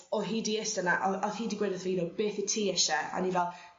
o hi 'di iste 'na a o- a o'dd hi 'di gweud wtho fi you know beth wt ti isie a o'n i fel